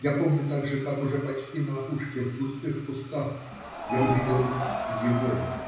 Я помню также, как уже почти на опушке, в густых кустах, я увидел. его.